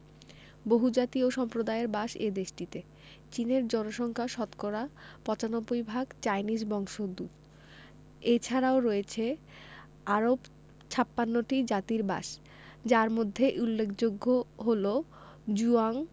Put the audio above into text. বহুজাতি ও সম্প্রদায়ের বাস এ দেশটিতে চীনের জনসংখ্যা শতকরা ৯৫ ভাগ হান চাইনিজ বংশোদূত এছারাও রয়েছে আরও ৫৬ টি জাতির বাসযার মধ্যে উল্লেখযোগ্য হলো জুয়াং